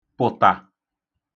pụ̀tà